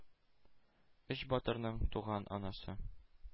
Өч батырның туган анасы.